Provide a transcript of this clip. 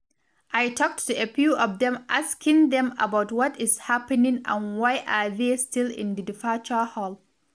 I talked to a few of them asking them about what is happening and why are they still in the departure hall.